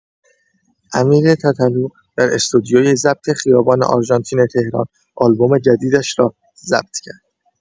امیر تتلو در استودیوی ضبط خیابان آرژانتین تهران آلبوم جدیدش را ضبط کرد.